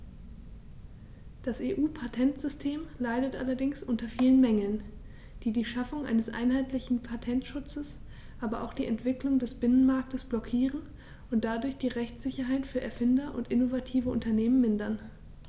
Das EU-Patentsystem leidet allerdings unter vielen Mängeln, die die Schaffung eines einheitlichen Patentschutzes, aber auch die Entwicklung des Binnenmarktes blockieren und dadurch die Rechtssicherheit für Erfinder und innovative Unternehmen mindern.